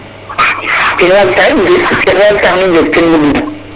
ken waag tax kene waag tax nu njeg ke nu mbugna,